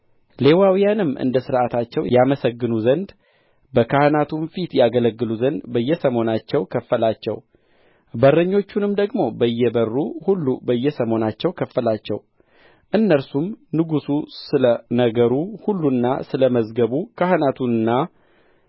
ሌዋውያንም እንደ ሥርዓታቸው ያመሰግኑ ዘንድ በካህናቱም ፊት ያገለግሉ ዘንድ በየሰሞናቸው ከፈላቸው በረኞቹንም ደግሞ በየበሩ ሁሉ በየሰሞናቸው ከፈላቸው እነርሱም ንጉሡ ስለ ነገሩ ሁሉና ስለ መዝገቡ ካህናቱንና